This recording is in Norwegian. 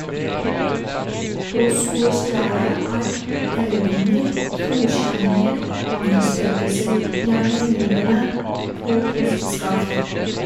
Åsgårdsreia er daudinger, trollkjerringer, og andre spøkelser, gjerne ridende på kosteskaft.